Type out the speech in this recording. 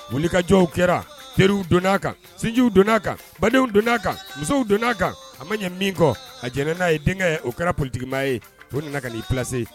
Malikajɔw kɛra teriw don a kan sintudiw don a kan badenw don a kan musow don aa kan a ma ɲi min kɔ a jɛnɛ n'a ye denkɛ ye o kɛra politigikima ye ko nana ka'i psse